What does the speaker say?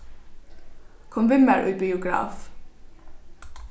kom við mær í biograf